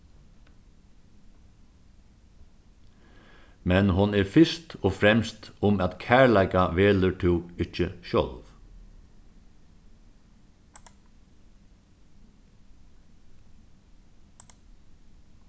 men hon er fyrst og fremst um at kærleika velur tú ikki sjálv